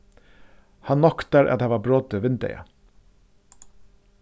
hann noktar at hava brotið vindeygað